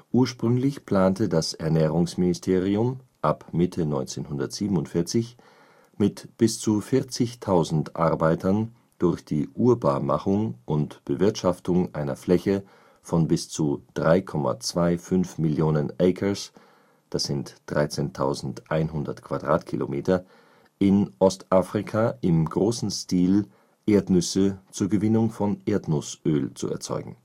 Ursprünglich plante das Ernährungsministerium, ab Mitte 1947 mit bis zu 40.000 Arbeitern durch die Urbarmachung und Bewirtschaftung einer Fläche von bis zu 3,25 Millionen Acres (13.100 km²) in Ostafrika im großen Stil Erdnüsse zur Gewinnung von Erdnussöl zu erzeugen